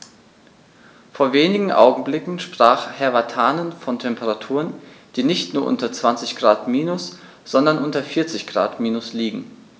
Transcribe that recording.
Vor wenigen Augenblicken sprach Herr Vatanen von Temperaturen, die nicht nur unter 20 Grad minus, sondern unter 40 Grad minus liegen.